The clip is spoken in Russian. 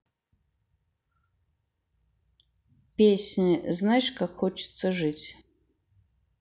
песня знаешь как хочется жить